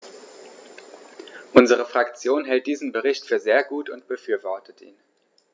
Unsere Fraktion hält diesen Bericht für sehr gut und befürwortet ihn.